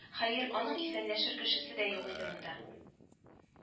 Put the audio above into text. Хәер, аның исәнләшер кешесе дә юк иде монда